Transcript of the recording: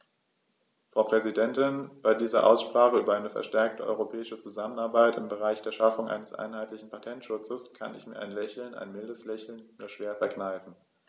Frau Präsidentin, bei dieser Aussprache über eine verstärkte europäische Zusammenarbeit im Bereich der Schaffung eines einheitlichen Patentschutzes kann ich mir ein Lächeln - ein mildes Lächeln - nur schwer verkneifen.